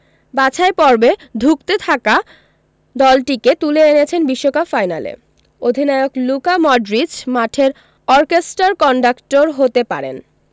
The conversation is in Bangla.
বাছাই পর্বে ধুঁকতে থাকা দলটিকে তুলে এনেছেন বিশ্বকাপ ফাইনালে অধিনায়ক লুকা মডরিচ মাঠের অর্কেস্ট্রার কন্ডাক্টর হতে পারেন